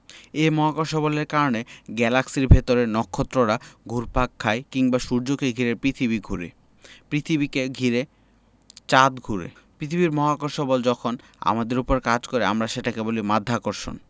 এই মহাকর্ষ বলের কারণে গ্যালাক্সির ভেতরে নক্ষত্ররা ঘুরপাক খায় কিংবা সূর্যকে ঘিরে পৃথিবী ঘোরে পৃথিবীকে ঘিরে চাঁদ ঘোরে পৃথিবীর মহাকর্ষ বল যখন আমাদের ওপর কাজ করে আমরা সেটাকে বলি মাধ্যাকর্ষণ